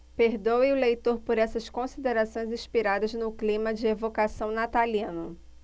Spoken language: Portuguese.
perdoe o leitor por essas considerações inspiradas no clima de evocação natalino